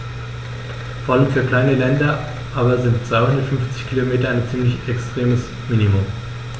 Vor allem für kleine Länder aber sind 250 Kilometer ein ziemlich extremes Minimum.